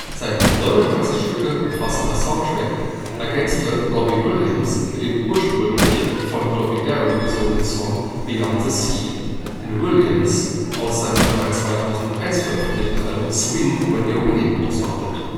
Sein 39 Stücke umfassender Soundtrack ergänzte Robbie Williams mit dem ursprünglich von Bobby Darin gesungenen Song Beyond the Sea, den Williams aus seinem bereits 2001 veröffentlichten Album Swing When You’ re Winning auskoppelte